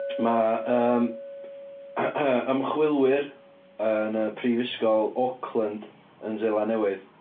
Ma' yym ymchwilwyr yn y Prifysgol Auckland yn Seland Newydd...